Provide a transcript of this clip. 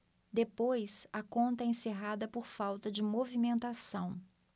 depois a conta é encerrada por falta de movimentação